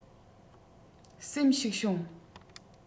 སེམས ཞིག བྱུང